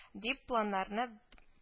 - дип планнарны